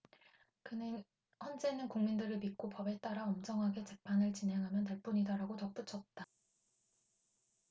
그는 헌재는 국민들을 믿고 법에 따라 엄정하게 재판을 진행하면 될 뿐이다라고 덧붙였다